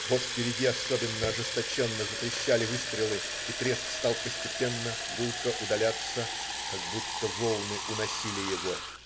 Вот впереди особенно ожесточенно затрещали выстрелы, и треск стал постепенно, гулко удаляться, как будто волны уносили его.